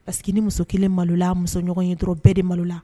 Parce que ni muso kelen malola musoɲɔgɔn in dɔrɔn bɛɛ de malo la